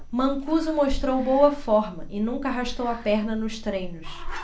mancuso mostrou boa forma e nunca arrastou a perna nos treinos